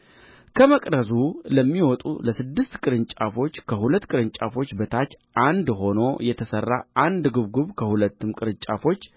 ከመቅረዙ ለሚወጡ ለስድስቱ ቅርንጫፎች ከሁለት ቅርንጫፎች በታች አንድ ሆኖ የተሠራ አንድ ጕብጕብ ከሁለትም ቅርንጫፎች